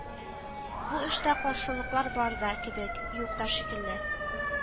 Бу эштә каршылыклар бар да, кебек, юк та шикелле